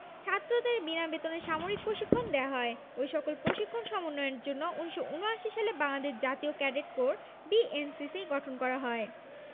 ছাত্রদের বিনা বেতনে সামরিক প্রশিক্ষণ দেওয়া হতো ওই সকল প্রশিক্ষণ সমন্বয়ের জন্য ১৯৭৯ সালে বাংলাদেশ জাতীয় ক্যাডেট কোর বিএনসিসি গঠন করা হয়